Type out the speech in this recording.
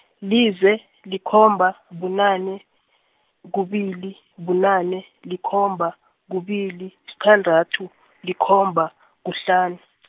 lize, likhomba, bunane, kubili, bunane, likhomba, kubili, sithandathu, likhomba, kuhlanu.